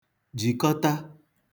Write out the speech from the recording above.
jìkọta